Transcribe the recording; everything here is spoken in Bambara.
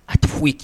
A tɛ foyi ye kɛ